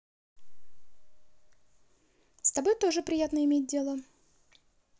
с тобой тоже приятно иметь дело